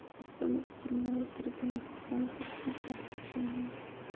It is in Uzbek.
ostonada jilmayib turgan mahbubani ko'rib ko'zlariga ishonmadi